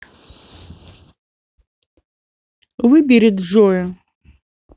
выбери джоя